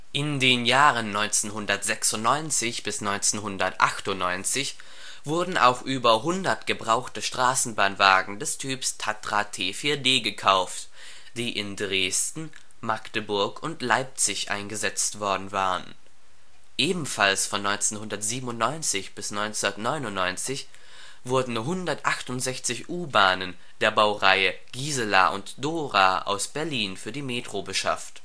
In den Jahren 1996 bis 1998 wurden auch über 100 gebrauchte Straßenbahnwagen des Typs Tatra T4D gekauft, die in Dresden, Magdeburg und Leipzig eingesetzt worden waren. Ebenfalls von 1997 bis 1999 wurden 168 U-Bahnen der Baureihen GI und D aus Berlin für die Metro beschafft